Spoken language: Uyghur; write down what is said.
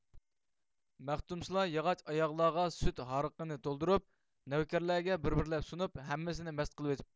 مەختۇمسۇلا ياغاچ ئاياغلارغا سۈت ھارىقىنى تولدۇرۇپ نۆۋكەرلەرگە بىر بىرلەپ سۇنۇپ ھەممىسىنى مەست قىلىۋېتىپتۇ